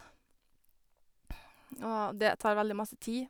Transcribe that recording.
Og det tar veldig masse tid.